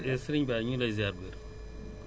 waaw sëñ Ablaye ñu ngi lay